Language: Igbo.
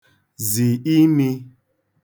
zì imī